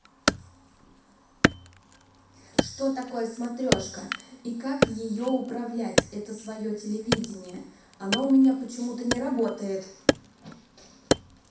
что такое смотрешка и как ее управлять это свое телевидение оно у меня почему то не работает